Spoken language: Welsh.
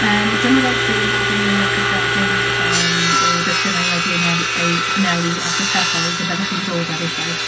Yym, dyma restr o'r mathau mwyaf cyffredin, yym, o destunau wedi eu ynga- eu hanelu at y cyhoedd y byddwch chi'n dod ar eu thraws.